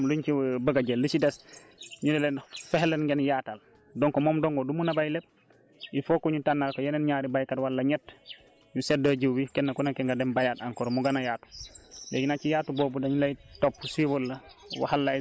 donc imaginé kooku noonu bu récolter ba waa projet bi jël ñoom luñ ci bëgg a jël lu ci des ñu ne leen fexe leen ngeen yaatal donc moom dong du mun a béy lépp il faut que ñu tànnal ko yeneen ñaari béykat wala ñett ñu séddóo jiw wi kenn ku nekk nga dem béyaat encore mu gën a yaatu